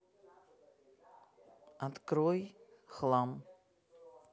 строй хлам